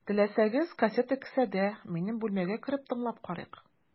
Теләсәгез, кассета кесәдә, минем бүлмәгә кереп, тыңлап карыйк.